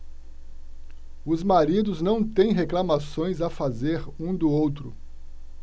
os maridos não têm reclamações a fazer um do outro